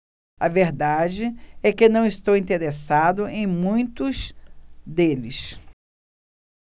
a verdade é que não estou interessado em muitos deles